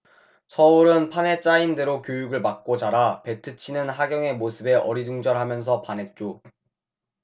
서율은 판에 짜인 대로 교육을 받고 자라 배트 치는 하경의 모습에 어리둥절 하면서 반했죠